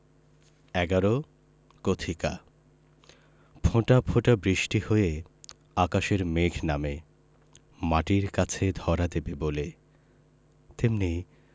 ১১ কথিকা ফোঁটা ফোঁটা বৃষ্টি হয়ে আকাশের মেঘ নামে মাটির কাছে ধরা দেবে বলে তেমনি